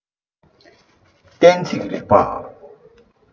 གཏན ཚིགས རིག པ